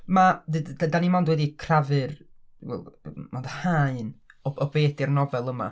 Ma'... d- d- dan ni mond wedi crafu'r... wel mond haen o be ydy'r nofel yma.